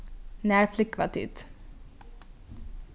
nær flúgva tit